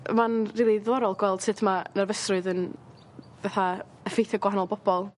Ma'n rili ddiddorol gweld sut ma' nerfysrwydd yn fatha effeithio gwahanol bobol.